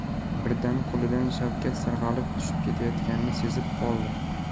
birdan qo'lidan shavkat sirg'alib tushib ketayotganini sezib qoldi